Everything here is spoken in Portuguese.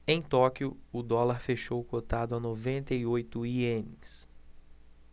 em tóquio o dólar fechou cotado a noventa e oito ienes